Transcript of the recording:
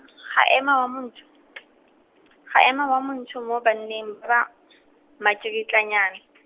ga ema wa Montsho , ga ema wa Montsho mo banneng ba, makiritlanyana .